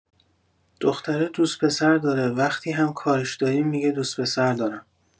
دختره دوست پسر داره وقتی هم کارش داریم می‌گه دوست پسر دارم